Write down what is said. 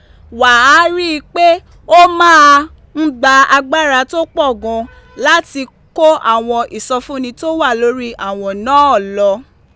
Wàá rí i pé ó máa ń gba agbára tó pọ̀ gan an láti kó àwọn ìsọfúnni tó wà lórí àwọ̀n náà lọ.